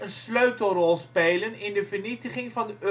sleutelrol spelen in de vernietiging van